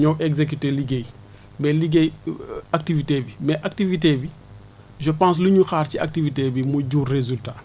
ñoom exécuter liggéey mais liggéey activité bi mais activité bi je pense lu ñu xaar ci activité bi mu jur résultat